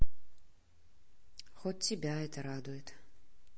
хоть тебя это радует